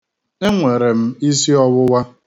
Enwere m isiọwụwa.